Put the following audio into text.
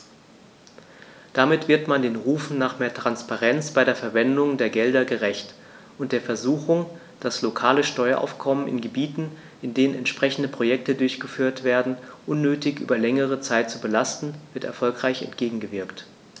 Damit wird man den Rufen nach mehr Transparenz bei der Verwendung der Gelder gerecht, und der Versuchung, das lokale Steueraufkommen in Gebieten, in denen entsprechende Projekte durchgeführt werden, unnötig über längere Zeit zu belasten, wird erfolgreich entgegengewirkt.